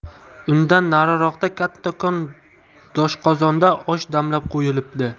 undan nariroqda kattakon doshqozonda osh damlab qo'yilibdi